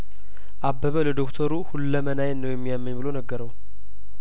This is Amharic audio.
አበበ ለዶክተሩ ሁለመናዬን ነው የሚያመኝ ብሎ ነገረው